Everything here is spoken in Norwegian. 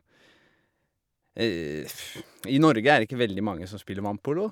I Norge er det ikke veldig mange som spiller vannpolo.